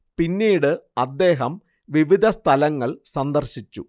പിന്നീട് അദ്ദേഹം വിവിധ സ്ഥലങ്ങൾ സന്ദർശിച്ചു